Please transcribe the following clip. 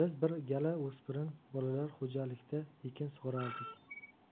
o'spirin bolalar xo'jalikda ekin sug'orardik